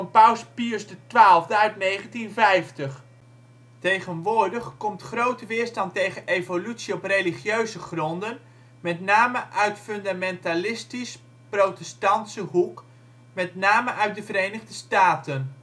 paus Pius XII uit 1950. Tegenwoordig komt grote weerstand tegen evolutie op religieuze gronden met name uit (fundamentalistisch) protestantse hoek, met name uit de Verenigde Staten